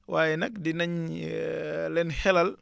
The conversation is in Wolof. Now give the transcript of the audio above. waaye nag dinañ leen xelal